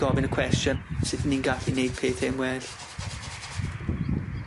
Gofyn y cwestiwn sut 'yn ni'n gallu neud pethe'n well.